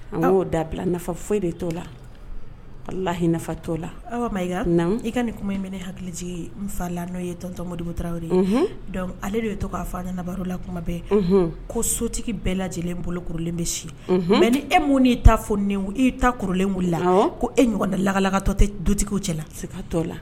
Y'o dabila nafa foyi bɛ to la la hinɛ nafa t' la aw i ka i ka nin kuma in bɛ ne hakili jigi ye n farila n'o ye tɔntɔmodibotaw de ale de ye to'a fabaa la kuma bɛɛ ko sotigi bɛɛ lajɛlen bololen bɛ si mɛ ni e mun n'i ta fɔ ni i ta kululen wulila la ko e ɲɔgɔn da lakalakatɔ tɛ dutigiww cɛla la ka to la